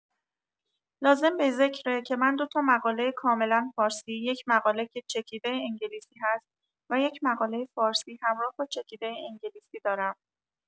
لازم به ذکره که من دو تا مقاله کاملا فارسی، یک مقاله که چکیده انگلیسی هست و یک مقاله فارسی همراه با چکیده انگلیسی دارم.